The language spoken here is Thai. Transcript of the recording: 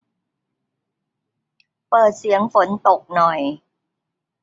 เปิดเสียงฝนตกหน่อย